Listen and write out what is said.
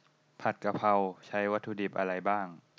ผัดกะเพราใช้วัตถุดิบอะไรบ้าง